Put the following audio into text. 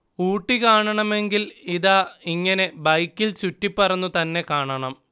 ഊട്ടി കാണണമെങ്കിൽ ഇതാ, ഇങ്ങിനെ ബൈക്കിൽ ചുറ്റിപ്പറന്നു തന്നെ കാണണം